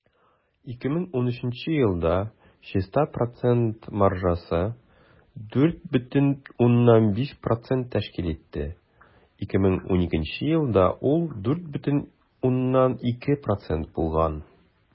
2013 елда чиста процент маржасы 4,5 % тәшкил итте, 2012 елда ул 4,2 % булган.